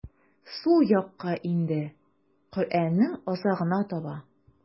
Сул якка инде, Коръәннең азагына таба.